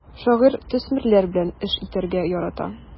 Шагыйрь төсмерләр белән эш итәргә ярата.